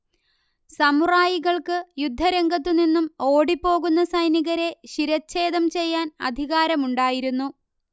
സമുറായികൾക്ക് യുദ്ധരംഗത്തുനിന്നും ഓടിപ്പോകുന്ന സൈനികരെ ശിരഛേദം ചെയ്യാൻ അധികാരമുണ്ടായിരുന്നു